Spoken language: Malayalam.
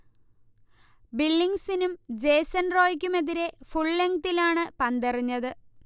ബില്ലിങ്സിനും ജേസൻ റോയിക്കും എതിരെ ഫുൾലെങ്തിലാണു പന്തെറിഞ്ഞത്